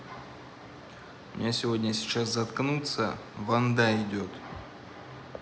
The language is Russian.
у меня сегодня сейчас заткнуться ванда идет